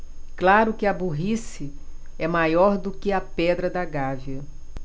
claro que a burrice é maior do que a pedra da gávea